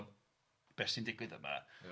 be sy'n digwydd yma... Ia.